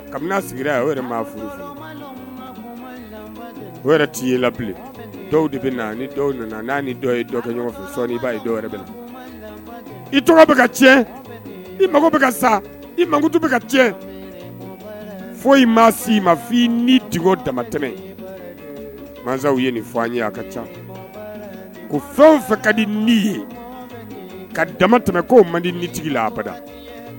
Kabini fɔ o t i ye la dɔw de bɛ nana n' kɛ ɲɔgɔn i b'a yɛrɛ bɛ i tɔgɔ bɛ ka cɛn i mako bɛ ka sa i makutu bɛ ka fo maa si i ma f i ni di dama tɛmɛ masaw ye nin fɔ an ye a ka ca ko fɛn fɛ ka di ni ye ka dama tɛmɛ'o man di nitigi lapda